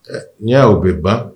Ɛɛ ni ya ye o be ban